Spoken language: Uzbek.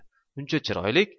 muncha chiroylik